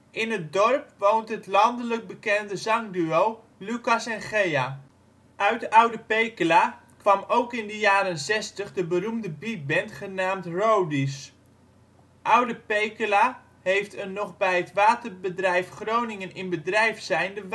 In het dorp woont het landelijk bekende zangduo Lucas en Gea. Uit Oude Pekela kwam ook in de jaren zestig de beroemde beatband genaamd de Ro-d-Ys. Oude Pekela heeft een nog bij het Waterbedrijf Groningen in bedrijf zijnde